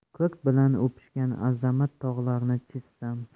ko'k bilan o'pishgan azamat tog'larni chizsam